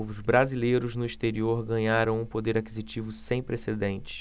os brasileiros no exterior ganharam um poder aquisitivo sem precedentes